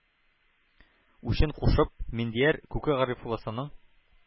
Үчен кушып, миндияр күке гарифулласының